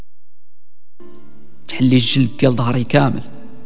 ظهري كامل